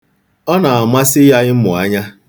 Ọ na-amasị ya ịmụ anya.